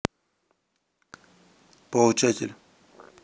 получатель